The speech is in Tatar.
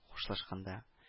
Хушлашканда